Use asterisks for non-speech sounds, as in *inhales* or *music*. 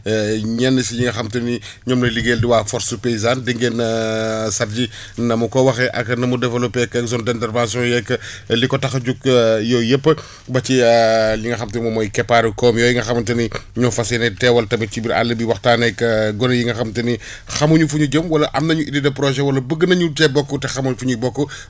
*hesitation* ñenn si ñi nga xam te ni ñoom lay liggéeyal di waa force paysane dégg ngeen *hesitation* Sadji na mu ko waxee ak na mu développé zone :ra d' intervention yeeg *breath* li ko tax a jug *hesitation* yooyu yëpp ba ci *hesitation* li nga xam te ni mooy keppaaru koom yooyu nga xamante ni ñoo fas yéene teewal tamit ci biir àll bi waxtaaneeg *hesitation* gone yi nga xam te ni *inhales* xamuñu fu ñu jëm wala am nañu idée de projet wala bëgg nañu cee bokk te xamuñ fu ñuy bokk *breath*